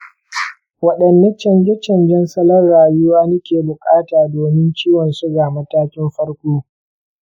waɗanne canje-canjen salon-rayuwa nike buƙata domin ciwon suga matakin farko?